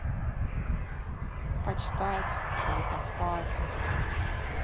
почитать или поспать